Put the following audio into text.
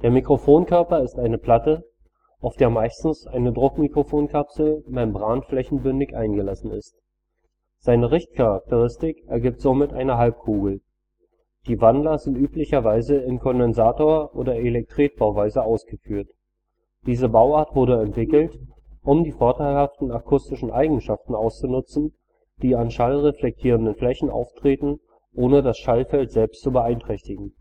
Mikrofonkörper ist eine Platte, auf der meistens eine Druckmikrofonkapsel membranflächenbündig eingelassen ist. Seine Richtcharakteristik ergibt somit eine Halbkugel. Die Wandler sind üblicherweise in Kondensator - oder Elektretbauweise ausgeführt. Diese Bauart wurde entwickelt, um die vorteilhaften akustischen Eigenschaften auszunutzen, die an schallreflektierenden Flächen auftreten, ohne das Schallfeld selbst zu beeinträchtigen